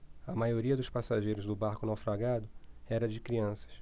a maioria dos passageiros do barco naufragado era de crianças